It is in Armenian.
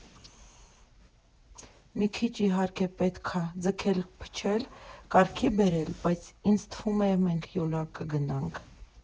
Մի քիչ, իհարկե, պետք ա դզել֊փչել, կարգի բերել, բայց ինձ թվում ա մենք յոլա կգնանք։